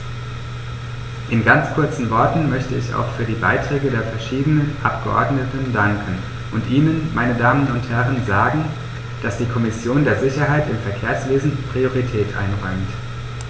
In ganz kurzen Worten möchte ich auch für die Beiträge der verschiedenen Abgeordneten danken und Ihnen, meine Damen und Herren, sagen, dass die Kommission der Sicherheit im Verkehrswesen Priorität einräumt.